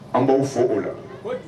An b'aw fo o la kojug